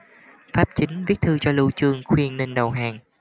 pháp chính viết thư cho lưu chương khuyên nên đầu hàng